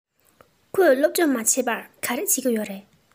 ཁོས སློབ སྦྱོང མ བྱས པར ག རེ བྱེད ཀྱི ཡོད རས